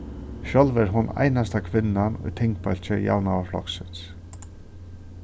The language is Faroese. sjálv er hon einasta kvinnan í tingbólki javnaðarfloksins